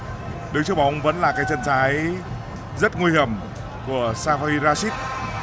đứng trước bóng vẫn là cái chân trái rất nguy hiểm của san pha uy la suýp